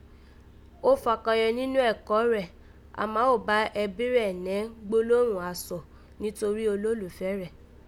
Ó fakọyọ ninọ́ ẹ̀kọ́ rẹ̀, àmá ó bá ẹbí rẹ̀ nẹ́ gbólóhùn asọ̀ nítorí olólùfẹ́ rẹ̀